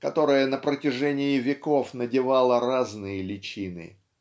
которое на протяжении веков надевало разные личины.